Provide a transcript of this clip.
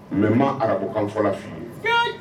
Mɛ maa ara kokan fɔ' yen